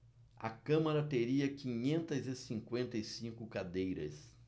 a câmara teria quinhentas e cinquenta e cinco cadeiras